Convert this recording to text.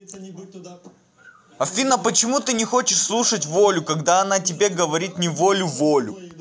афина почему ты не хочешь слушать волю когда она тебя говорит неволю волю